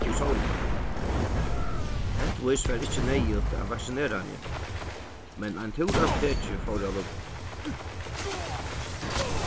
í sólina heldigvís var ikki neyðugt at vaksinera meg men ein túr á apotekið fór